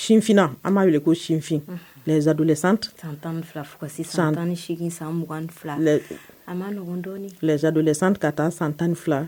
Sinfinna an b'a wele ko sinfin zsaadu san tan san tan san sadu la san ka taa san tan ni fila